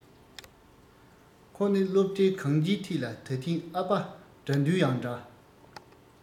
ཁོ ནི སློབ གྲྭའི གང སྤྱིའི ཐད ལ ད ཐེངས ཨ ཕ དགྲ འདུལ ཡང འདྲ